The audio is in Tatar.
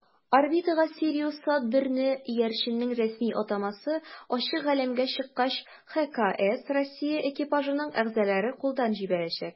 Орбитага "СириусСат-1"ны (иярченнең рәсми атамасы) ачык галәмгә чыккач ХКС Россия экипажының әгъзалары кулдан җибәрәчәк.